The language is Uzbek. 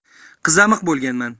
qizamiq bo'lganman